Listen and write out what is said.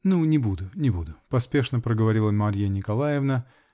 -- Ну, не буду, не буду, -- поспешно проговорила Марья Николаевна.